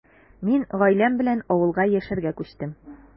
Мин гаиләм белән авылга яшәргә күчтем.